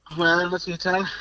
Wel, 'na ti te.